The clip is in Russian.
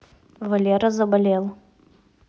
валера заболел